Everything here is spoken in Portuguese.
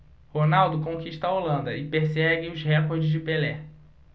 ronaldo conquista a holanda e persegue os recordes de pelé